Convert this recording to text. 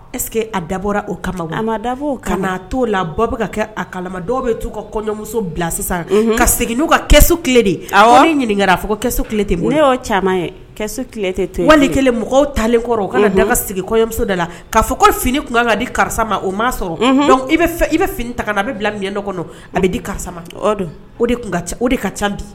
Ɛseke a dabɔra o kama a dabɔ ka'a t' o labɔ bɛ ka kɛ a kala dɔw bɛ'u ka kɔɲɔmuso bila sisan ka segin n'u ka kɛso tile de ɲininka aa fɔso tile tɛ ne y caman ye tɛ wali kelen mɔgɔw talen kɔrɔ u ka da sigi kɔɲɔmuso de la kaa fɔ ko fini tun kan di karisa ma o ma sɔrɔ dɔnku i i bɛ fini ta n' bɛ bila min kɔnɔ a bɛ di karisa ma dɔn o de o de ka ca bi